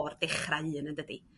o'r dechrau un yn dydi?